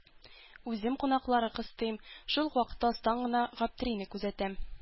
Үзем кунакларны кыстыйм, шул ук вакытта астан гына Гаптерине күзәтәм.